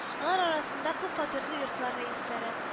Алар арасында күп фатирлы йортлар рәисләре